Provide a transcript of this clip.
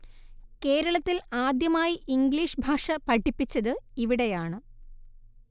കേരളത്തിൽ ആദ്യമായി ഇംഗ്ലീഷ് ഭാഷ പഠിപ്പിച്ചത് ഇവിടെയാണ്